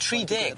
Tri deg?